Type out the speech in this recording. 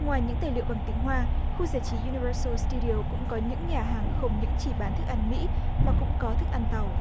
ngoài những tài liệu bằng tiếng hoa khu giải trí du ni vơ sô siêu đi ô cũng có những nhà hàng không những chỉ bán thức ăn mỹ mà cũng có thức ăn tàu